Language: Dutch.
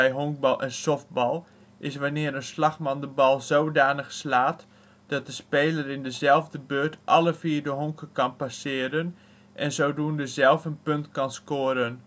honkbal en softbal is wanneer een slagman de bal op zo 'n wijze slaat, dat de speler in dezelfde beurt alle vier honken kan passeren, en zodoende zelf een punt kan scoren